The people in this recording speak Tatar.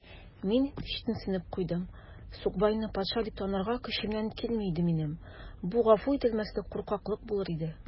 Мин читенсенеп куйдым: сукбайны патша дип танырга көчемнән килми иде минем: бу гафу ителмәслек куркаклык булыр иде.